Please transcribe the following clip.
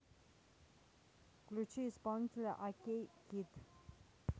включи исполнителя окей кид